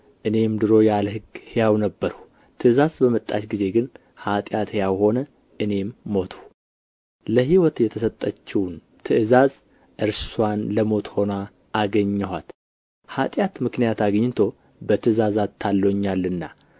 እኔም ዱሮ ያለ ሕግ ሕያው ነበርሁ ትእዛዝ በመጣች ጊዜ ግን ኃጢአት ሕያው ሆነ እኔም ሞትሁ ለሕይወትም የተሰጠችውን ትእዛዝ እርስዋን ለሞት ሆና አገኘኋት ኃጢአት ምክንያት አግኝቶ በትእዛዝ አታሎኛልና